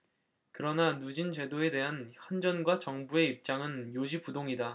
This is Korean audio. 그러나 누진제도에 대한 한전과 정부의 입장은 요지부동이다